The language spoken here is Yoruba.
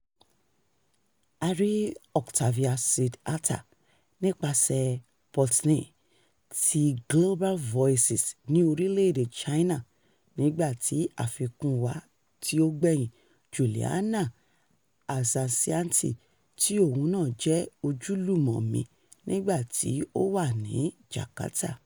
A rí Oktavia Sidharta nípasẹ̀ Portnoy ti Global Voices ní orílẹ̀ èdè China, nígbà tí àfikún wa tí ó gbẹ́yìn, Juliana Harsianti, tí òun náà jẹ́ ojúlùmọ̀ mi nígbà tí a wà ní Jakarta.